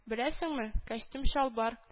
Беләсеңме? – Кәчтүм-чалбар